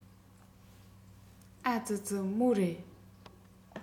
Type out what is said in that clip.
ཨ ཙི ཙི མོ རེ